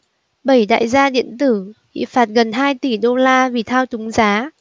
bảy đại gia điện tử bị phạt gần hai tỷ đô la vì thao túng giá